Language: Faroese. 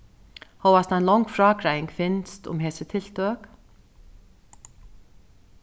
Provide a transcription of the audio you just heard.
hóast ein long frágreiðing finst um hesi tiltøk